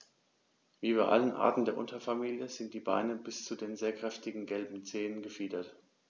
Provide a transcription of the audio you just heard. Wie bei allen Arten der Unterfamilie sind die Beine bis zu den sehr kräftigen gelben Zehen befiedert.